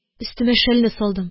Өстемә шәлне салдым